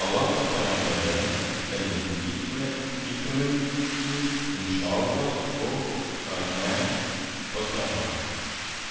Аллаһы Тәгаләдән өмид итәмен ки, иншаллаһ, бу хөрмә ботагы